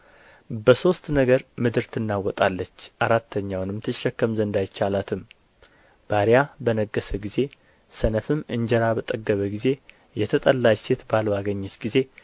በሦስት ነገር ምድር ትናወጣለች አራተኛውንም ትሸከም ዘንድ አይቻላትም ባሪያ በነገሠ ጊዜ ሰነፍም እንጀራ በጠገበ ጊዜ የተጠላች ሴት ባል ባገኘች ጊዜ